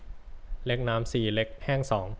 เล็กน้ำสี่เล็กแห้งสอง